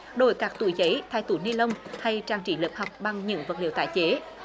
đổi các túi giấy thay túi ni lông hay trang trí lớp học bằng những vật liệu tái chế